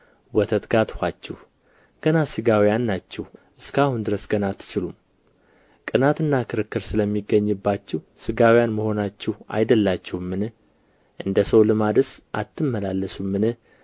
ወተት ጋትኋችሁ ገና ሥጋውያን ናችሁና እስከ አሁን ድረስ ገና አትችሉም ቅናትና ክርክር ስለሚገኝባችሁ ሥጋውያን መሆናችሁ አይደላችሁምን እንደ ሰው ልማድስ አትመላለሱምን